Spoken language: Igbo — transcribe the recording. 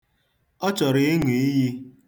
Onye chọrọ ịṅụ iyi?